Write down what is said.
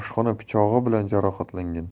pichog'i bilan jarohatlagan